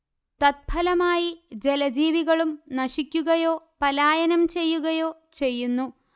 തത്ഫലമായി ജലജീവികളും നശിക്കുകയോ പലായനം ചെയ്യുകയോ ചെയ്യുന്നു